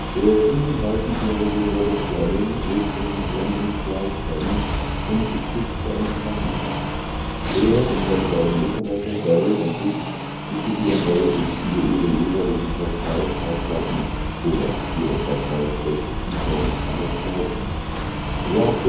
Der 35-jährige Robert Fleming lebt in London-Crouch End und ist Besitzer eines Plattenladens. Er und seine beiden Mitarbeiter Barry und Dick diskutieren häufig über ihre jeweiligen Top-Five Schallplatten oder ihre Top-Five schlechtesten Songs aller Zeiten. Rob